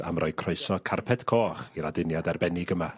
...am roi croeso carped coch i'r aduniad arbennig yma.